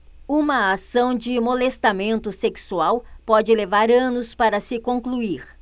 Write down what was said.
uma ação de molestamento sexual pode levar anos para se concluir